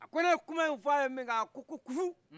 a ko ne ye kuma in fɔ a ye a ko kufu